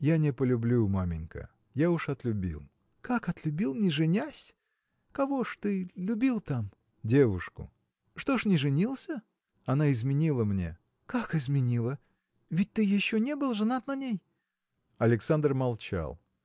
– Я не полюблю, маменька: я уж отлюбил. – Как отлюбил, не женясь? Кого ж ты любил там? – Девушку. – Что ж не женился? – Она изменила мне. – Как изменила? Ведь ты еще не был женат на ней? Александр молчал.